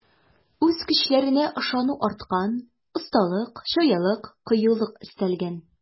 Үз көчләренә ышану арткан, осталык, чаялык, кыюлык өстәлгән.